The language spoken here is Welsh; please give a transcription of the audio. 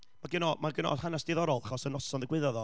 Ma' gen o, ma' gen o hanes diddorol, achos y noson ddigwyddodd o.